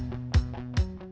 cháy